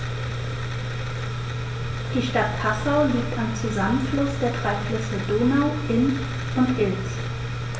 Die Stadt Passau liegt am Zusammenfluss der drei Flüsse Donau, Inn und Ilz.